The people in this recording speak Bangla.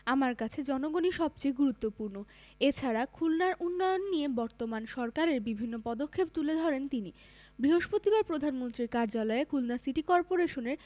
আমার কাছে জনগণই সবচেয়ে গুরুত্বপূর্ণ এছাড়া খুলনার উন্নয়ন নিয়ে বর্তমান সরকারের বিভিন্ন পদক্ষেপ তুলে ধরেন তিনি বৃহস্পতিবার প্রধানমন্ত্রীর কার্যালয়ে খুলনা সিটি কর্পোরেশনের